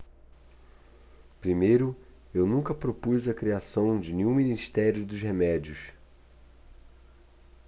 primeiro eu nunca propus a criação de nenhum ministério dos remédios